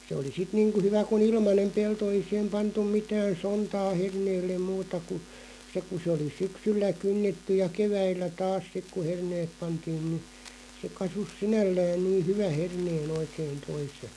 se oli sitten niin kuin hyvä kun ilmainen pelto ei siihen pantu mitään sontaa herneelle muuta kuin se kun se oli syksyllä kynnetty ja keväällä taas sitten kun herneet pantiin no se kasvoi sinällään niin hyvän herneen oikein toisen